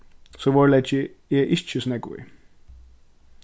sovorðið leggi eg ikki so nógv í